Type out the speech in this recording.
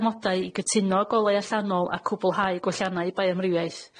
amodau i gytuno gole allanol a cwbwlhau gwelliannau bioamrywiaeth.